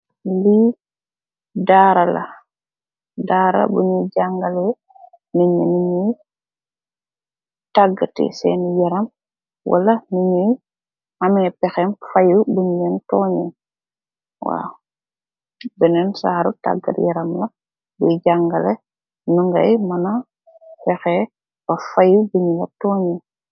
Li dara la darra boi jangaleh nitti nu nyui tagateh sen yaram wala nu nyui ameh pehem feyu bunn lenn tonyeh waw bene saru tagat yaram la nyui jangaleh nu kay muna fehe ba feyu bunn la tongey.